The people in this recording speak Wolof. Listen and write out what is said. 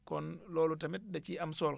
kon loolu tamit da ciy am solo